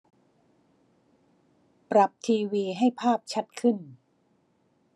ปรับทีวีให้ภาพชัดขึ้น